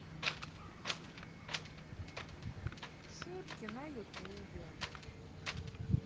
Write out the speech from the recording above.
шутки на ютубе